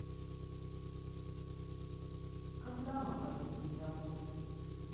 когда мы поедем домой